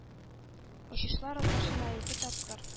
Очышлар атнасына ике тапкыр